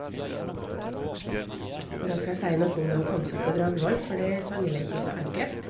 Da skal jeg si noe om det å komme seg til Dragvoll, for det er sannelig ikke så enkelt.